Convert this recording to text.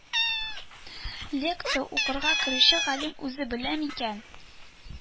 Лекция укырга керүче галим үзе беләме икән